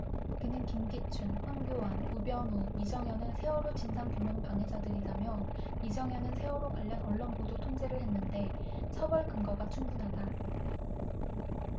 그는 김기춘 황교안 우병우 이정현은 세월호 진상규명 방해자들이다며 이정현은 세월호 관련 언론보도 통제를 했는데 처벌 근거가 충분하다